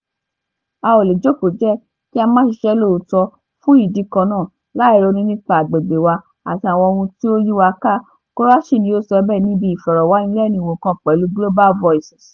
"A ò le jókòó jẹ́ kí á máa ṣiṣẹ́ lọ́tọ́ọ̀tọ̀ fún ìdí kannáà láì ronú nípa agbègbè wá àti àwọn ohun tí ó yíwa ká," Koraichi ni ó sọ bẹ́ẹ̀ níbi ìfọ̀rọ̀wánilẹ́nuwò kan pẹ̀lú Global Voices.